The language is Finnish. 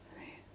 niin